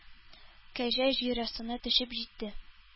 Кәҗә җир астына төшеп җитте